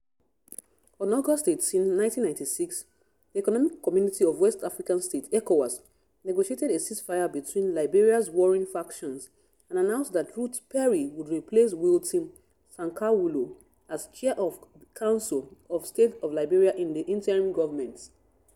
On August 18, 1996, the Economic Community of West African States (ECOWAS) negotiated a ceasefire between Liberia’s warring factions and announced that Ruth Perry would replace Wilton Sankawulo as Chair of the Council of State of Liberia in the interim government.